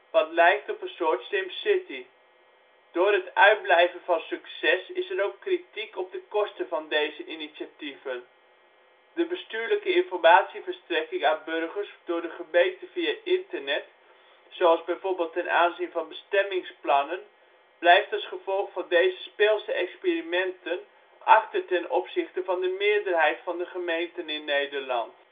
wat lijkt op een soort SimCity. Door het uitblijven van succes is er ook kritiek op kosten van deze initiatieven. De bestuurlijke informatieverstrekking aan burgers door de gemeente via internet, zoals bijvoorbeeld ten aanzien van bestemmingsplannen, blijft als gevolg van deze speelse experimenten achter ten opzichte van de meerderheid van de gemeenten in Nederland